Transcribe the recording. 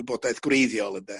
gwybodaeth gwreiddiol ynde